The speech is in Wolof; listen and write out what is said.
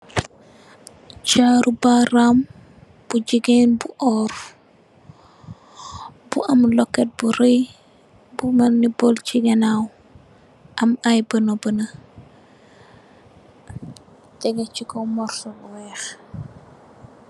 Jaru baram bu jigeen bu oór bu am loket bu rey bu melni bul ci ganaw am ay bënabëna teyeh ci kaw morso bu wèèx.